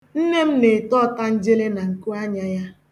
Nne m na-ete ọtangele na nkuanya ya